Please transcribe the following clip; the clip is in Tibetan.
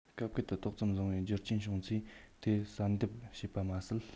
སྐབས འཁེལ དུ ཏོག ཙམ བཟང པའི རྒྱུད འགྱུར བྱུང ཚེ དེ བསལ འདེམས བྱེད པ མ ཟད